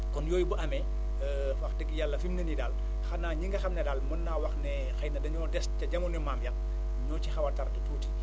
kon yooyu bu amee wax dëgg yàlla fi mu ne nii daal xanaa ñi nga xam ne daal mën naa wax ne xëy na dañoo des ca jamono maam ya ñoo ci xaw a tardé tuuti